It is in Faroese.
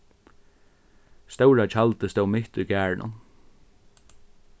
stóra tjaldið stóð mitt í garðinum